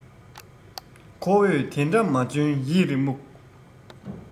ཁོ བོས དེ འདྲ མ འཇོན ཡིད རེ རྨུགས